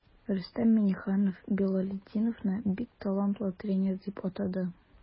Рөстәм Миңнеханов Билалетдиновны бик талантлы тренер дип атады.